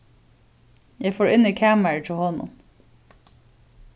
eg fór inn í kamarið hjá honum